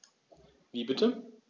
Wie bitte?